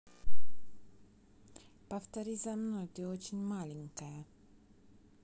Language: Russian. повтори за мной ты очень маленькая